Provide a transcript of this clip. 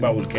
bawul kenn